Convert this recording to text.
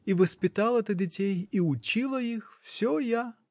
и воспитала-то детей, и учила их, все я.